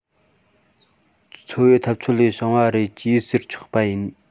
འཚོ བའི འཐབ རྩོད ལས བྱུང བ རེད ཅེས ཟེར ཆོག པ ཡིན